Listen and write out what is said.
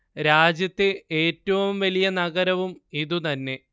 രാജ്യത്തെ ഏറ്റവും വലിയ നഗരവും ഇത് തന്നെ